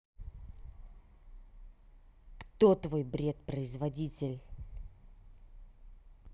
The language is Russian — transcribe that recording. кто твой бред производитель